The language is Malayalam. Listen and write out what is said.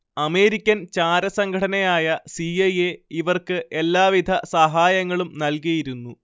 അമേരിക്കൻ ചാരസംഘടനയായ സി ഐ എ ഇവർക്ക് എല്ലാവിധ സഹായങ്ങളും നൽകിയിരുന്നു